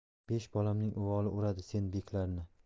besh bolamning uvoli uradi sen beklarni